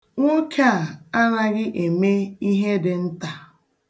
Nwoke a anaghị eme ihe dị nta.